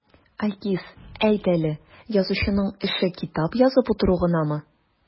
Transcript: Айгиз, әйт әле, язучының эше китап язып утыру гынамы?